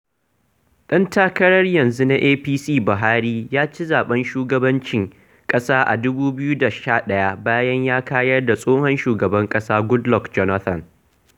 ɗan takarar 'yanzu na APC, Buhari, ya ci zaɓen shugabancin ƙasa a 2011 bayan ya kayar da tsohon shugaban ƙasa Goodluck Jonathan.